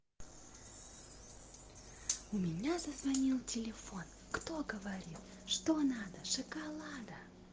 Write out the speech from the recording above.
у меня зазвонил телефон кто говорит что надо шоколада